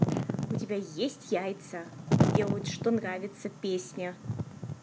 у тебя есть яйца делают то что нравится песня